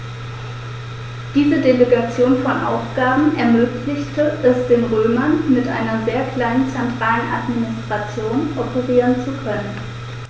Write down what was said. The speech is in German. Diese Delegation von Aufgaben ermöglichte es den Römern, mit einer sehr kleinen zentralen Administration operieren zu können.